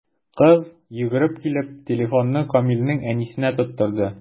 Кыз, йөгереп килеп, телефонны Камилнең әнисенә тоттырды.